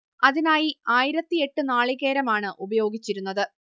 അതിനായി ആയിരത്തിയെട്ട് നാളികേരമാണ് ഉപയോഗിച്ചിരുന്നത്